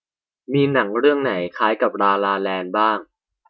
มีหนังเรื่องไหนคล้ายกับลาลาแลนด์บ้าง